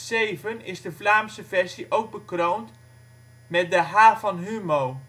2007 is de Vlaamse versie ook bekroond met de HA! van Humo